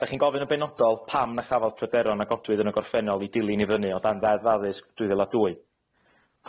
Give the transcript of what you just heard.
'Dach chi'n gofyn yn benodol pam na chafodd pryderon a godwyd yn y gorffennol i dilyn i fyny o dan Ddeddf Addysg Dwy Fil a Dwy.